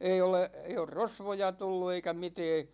ei ole ei ole rosvoja tullut eikä mitään